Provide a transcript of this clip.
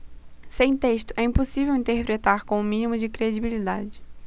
sem texto é impossível interpretar com o mínimo de credibilidade